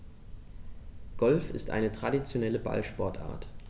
Golf ist eine traditionelle Ballsportart.